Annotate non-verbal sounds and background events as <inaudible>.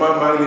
<hesitation> <hesitation>